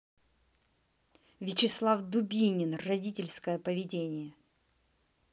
вячеслав дубинин родительское поведение